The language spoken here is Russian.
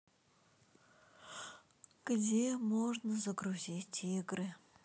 где можно загрузить игры